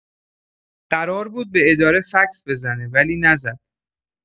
قرار بود به اداره فکس بزنه ولی نزد